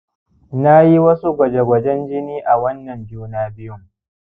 nayi wasu gwaje-gwajen jini a wannan juna biyun